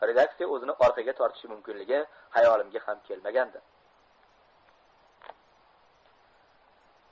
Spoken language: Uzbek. redaqtsiya o'zini orqaga tortishi mumkinligi hayolimga ham kelmagandi